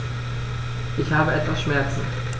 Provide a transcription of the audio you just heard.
Ich habe etwas Schmerzen.